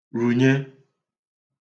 runye